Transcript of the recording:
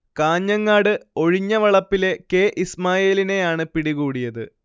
കാഞ്ഞങ്ങാട് ഒഴിഞ്ഞവളപ്പിലെ കെ ഇസ്മായിലിനെയാണ് പിടികൂടിയത്